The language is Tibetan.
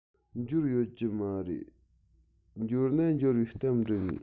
འབྱོར ཡོད ཀྱི མ རེད འབྱོར ན འབྱོར བའི གཏམ འབྲི ངེས